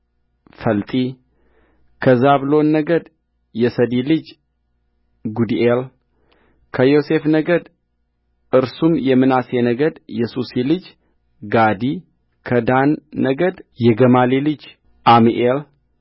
ፈልጢ ከዛብሎን ነገድ የሰዲ ልጅ ጉዲኤልከዮሴፍ ነገድ እርሱም የምናሴ ነገድ የሱሲ ልጅ ጋዲከዳን ነገድ የገማሊ ልጅ ዓሚኤል